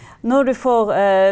når du får .